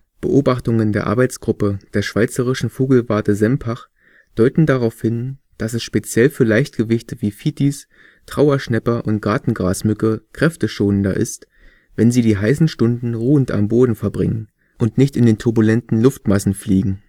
Beobachtungen der Arbeitsgruppe der Schweizerischen Vogelwarte Sempach deuten darauf hin, dass es speziell für Leichtgewichte wie Fitis, Trauerschnäpper und Gartengrasmücke kräfteschonender ist, wenn sie die heißen Stunden ruhend am Boden verbringen und nicht in den turbulenten Luftmassen fliegen